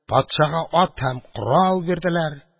Патшага ат һәм корал бирделәр.